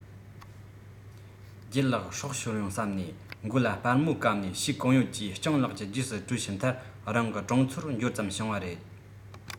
ལྗད ལགས སྲོག ཤོར ཡོང བསམ ནས མགོ ལ སྦར མོ བཀབ ནས ཤུགས གང ཡོད ཀྱིས སྤྱང ལགས ཀྱི རྗེས སུ བྲོས ཕྱིན མཐར རང གི གྲོང ཚོར འབྱོར ཙམ བྱུང བ རེད